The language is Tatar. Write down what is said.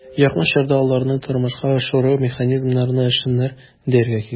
Якын чорда аларны тормышка ашыру механизмнары эшләнер, дияргә кирәк.